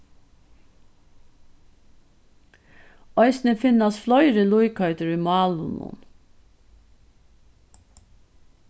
eisini finnast fleiri líkheitir í málunum